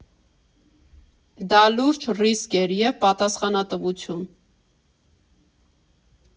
Դա լուրջ ռիսկ էր և պատասխանատվություն։